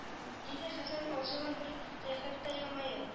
Диде хәсән алҗыган бер кыяфәттә елмаеп